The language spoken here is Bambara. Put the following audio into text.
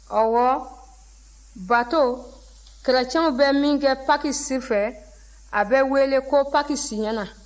ɔwɔ bato kerecɛnw bɛ min kɛ paki su fɛ a bɛ wele ko paki siɲɛna